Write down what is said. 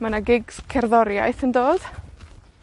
Ma' 'na gigs cerddoriaeth yn dod.